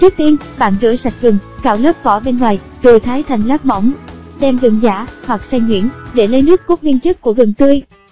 trước tiên bạn rửa sạch gừng cạo lớp vỏ bên ngoài rồi thái thành lát mỏng đem gừng giã hoặc xay nhuyễn để lấy nước cốt nguyên chất của gừng tươi